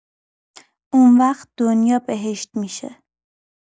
اون وقت دنیا بهشت می‌شه.